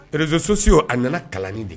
Rezsosi o a nana kalanin de